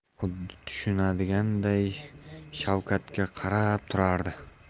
xuddi tushunadiganday shavkatga qarab turardi